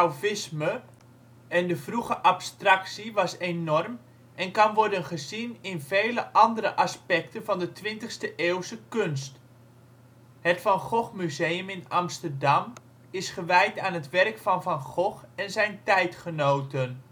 fauvisme en de vroege abstractie was enorm en kan worden gezien in vele andere aspecten van de twintigste-eeuwse kunst. Het Van Gogh Museum in Amsterdam is gewijd aan het werk van Van Gogh en zijn tijdgenoten